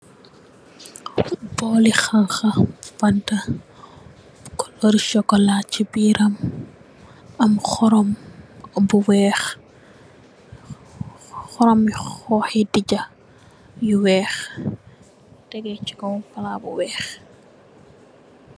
Bolli xanxa fanta kulorri socola si birram am xorom bu wekh xormbi xoxyi dija yu wekh tegeh si kaw palat bu wekh.